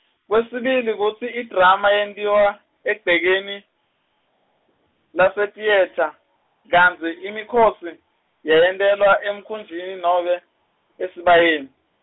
kwesibili kutsi idrama yentiwa egcekeni lasetiyetha kantsi imikhosi yayentelwa emkhunjini nobe esibayeni.